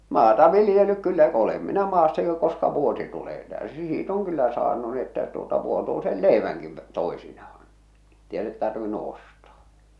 maata viljellyt kyllä olen minä maassa jo koska vuosi tulee täysi siitä on kyllä saanut niin että tuota vuotuisen leivänkin - toisinaan että ei ole tarvinnut ostaa